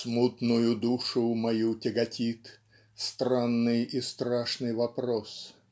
Смутную душу мою тяготит Странный и страшный вопрос